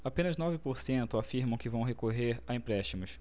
apenas nove por cento afirmam que vão recorrer a empréstimos